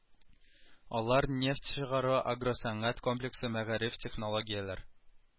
Алар нефть чыгару агросәнәгать комплексы мәгариф технологияләр